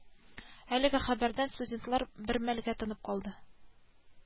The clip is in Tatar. Әлеге хәбәрдән студентлар бер мәлгә тынып калды